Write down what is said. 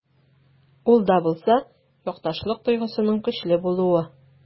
Ул да булса— якташлык тойгысының көчле булуы.